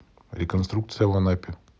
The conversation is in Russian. реконструкция в анапе